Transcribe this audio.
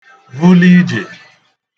vuli ije